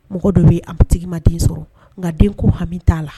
Mɔgɔ dɔ be yen a tigi ma den sɔrɔ. nga den ko hami ta la.